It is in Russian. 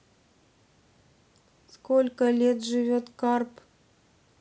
сколько лет живет карп